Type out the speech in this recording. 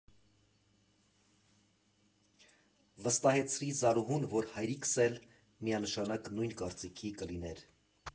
Վստահեցրի Զարուհուն, որ հայրիկս էլ միանշանակ նույն կարծիքի կլիներ։